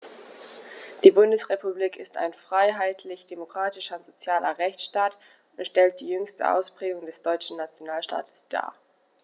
Die Bundesrepublik ist ein freiheitlich-demokratischer und sozialer Rechtsstaat und stellt die jüngste Ausprägung des deutschen Nationalstaates dar.